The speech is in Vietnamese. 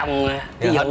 hết